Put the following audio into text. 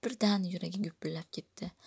birdan yuragi gupillab ketdi